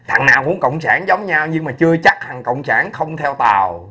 thằng nào muốn cộng sản giống nhau nhưng mà chưa chắc thằng cộng sản không theo tàu